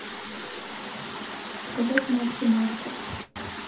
показать маски маска